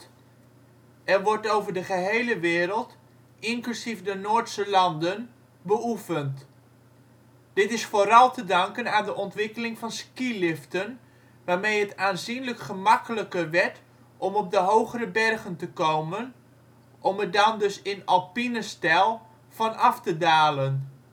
en wordt over de gehele wereld - inclusief de Noordse landen - beoefend. Dit is vooral ook te danken aan de ontwikkeling van skiliften, waarmee het aanzienlijk gemakkelijker werd om op de hogere bergen te komen, om er dan dus in " alpine " stijl van af te dalen